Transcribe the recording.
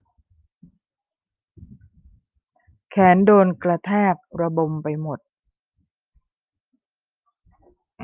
แขนโดนกระแทกระบมไปหมด